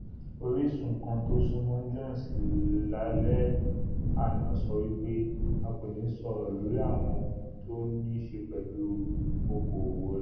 Orísun kan tó súnmọ́ Jones lálẹ́ àná sowípẹ́ ''A kòní sọ ọrọ lórí àwọn ohun tó nííṣe pẹ̀lú oko-òwò rẹ̀.''